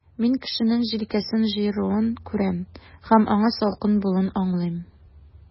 Мин кешенең җилкәсен җыеруын күрәм, һәм аңа салкын булуын аңлыйм.